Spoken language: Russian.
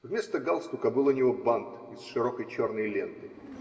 вместо галстука был у него бант из широкой черной ленты